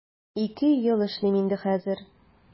Ике ел эшлим инде хәзер.